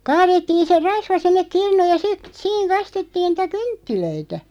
kaadettiin se rasva sinne kirnuun ja sitten siinä kastettiin niitä kynttilöitä